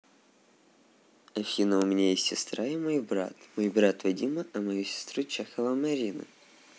афина у меня есть сестра и мой брат мой брат вадима а мою сестру чехова марина